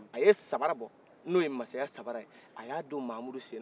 a ye samara bɔ n'o ye masaya samara ye a y'a don mamudu senna